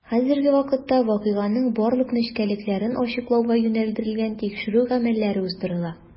Хәзерге вакытта вакыйганың барлык нечкәлекләрен ачыклауга юнәлдерелгән тикшерү гамәлләре уздырыла.